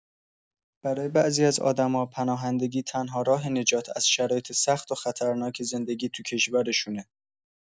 برای بعضی از آدما، پناهندگی تنها راه نجات از شرایط سخت و خطرناک زندگی تو کشورشونه.